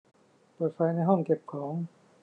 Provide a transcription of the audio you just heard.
เปิดไฟในห้องเก็บของ